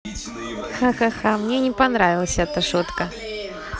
ха ха ха мне не понравилась эта шутка